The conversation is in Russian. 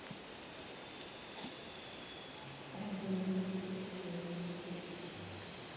он был бы неестественно неестественнен